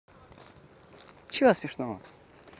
чего смешного